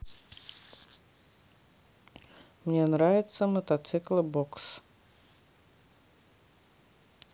мне нравятся мотоциклы бокс